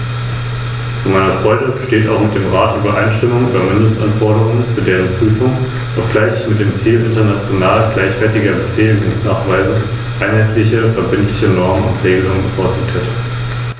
Diese Rechte betreffen vor allem Personen mit Behinderung beziehungsweise Personen mit eingeschränkter Mobilität.